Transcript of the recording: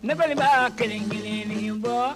Ne balima kelen kelen bɔ